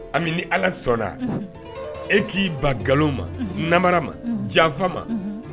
A ni ala sɔnna e k'i ba galo ma namara ma janfa ma